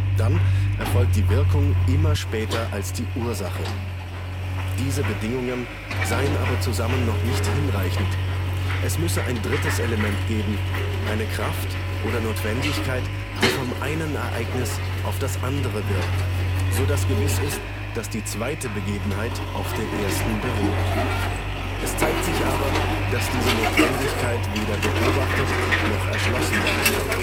Dann erfolgt die Wirkung immer später als die Ursache. Diese Bedingungen seien aber zusammen noch nicht hinreichend, es müsse ein drittes Element geben, eine Kraft oder Notwendigkeit, die vom einen Ereignis auf das andere wirkt, so dass gewiss ist, dass die zweite Begebenheit auf der ersten beruht. Es zeigt sich aber, dass diese Notwendigkeit weder beobachtet noch erschlossen werden kann